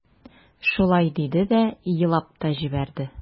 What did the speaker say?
Шулай диде дә елап та җибәрде.